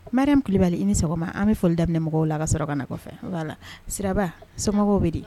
Mli kulubali i ni sɔgɔma an bɛ foli daminɛ mɔgɔw la ka sɔrɔ ka kɔfɛ b'a la siraba somɔgɔw bɛ di